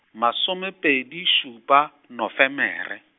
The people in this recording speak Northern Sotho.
masomepedi šupa Nofemere.